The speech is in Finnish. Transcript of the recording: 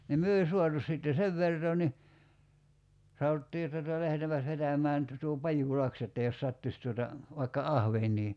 niin me ei saatu sitten sen vertaa niin sanottiin että tuota lähdetäänpäs vetämään - tuo Pajulahti että jos sattuisi tuota vaikka ahvenia